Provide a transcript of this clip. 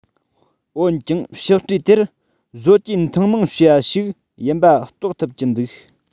འོན ཀྱང ཕྱག བྲིས དེར བཟོ བཅོས ཐེངས མང བྱས པ ཞིག ཡིན པ རྟོགས ཐུབ ཀྱི འདུག